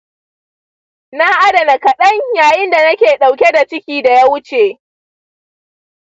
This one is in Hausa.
na adana kaɗan yayin da nake ɗauke da ciki daya wuce.